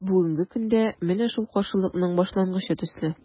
Бүгенге көндә – менә шул каршылыкның башлангычы төсле.